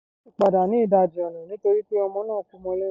"Mo ní láti padà ní ìdajì ọ̀nà nítorí pé ọmọ náà kú mọ́ mi lẹ́yìn."